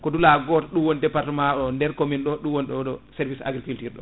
ko duula goto ɗum woni département o nder commune ɗo ɗum woni oɗo service agriculture